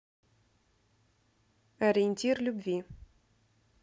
ориентир любви